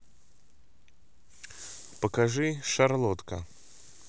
покажи шарлотка